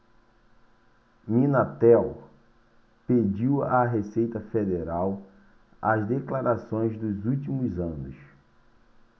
minatel pediu à receita federal as declarações dos últimos anos